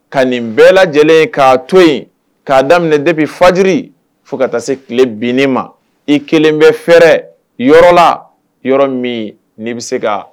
Ka nin bɛɛ lajɛlen kaa to yen k'a daminɛ de bɛ fajiri fo ka taa se tile binnen ma i kelen bɛ fɛrɛɛrɛ yɔrɔla yɔrɔ min n'i bɛ se ka